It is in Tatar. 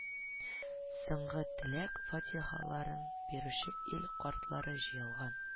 Соңгы теләк-фатихаларын бирүче ил картлары җыелган